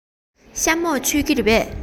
ཤ མོག མཆོད ཀྱི རེད པས